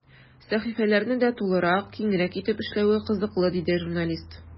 Сәхифәләрне дә тулырак, киңрәк итеп эшләве кызыклы, диде журналист.